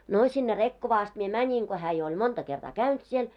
no sinne Rekkovaan asti minä menin kun hän jo oli monta kertaa käynyt siellä